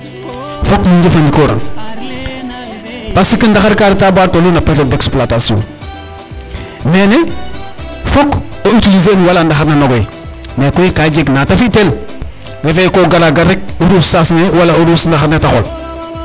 Fook nu njefandikooran parce que ndaxar kaa retaa ba ba tolu no période d' exploitation mene fook o utiliser in wala ndaxar na nogoy mekoy ka jeg na ta fi'tel; refee yee koo garaa gar rek ruus saas ne wala o ruus ndaxar ne ta xool.